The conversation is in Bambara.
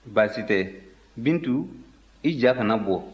baasi tɛ bintu i ja kana bɔ